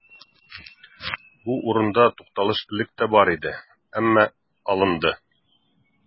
Бу урында тукталыш элек тә бар иде, әмма алынды.